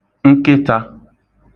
nkịtā